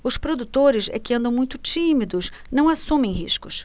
os produtores é que andam muito tímidos não assumem riscos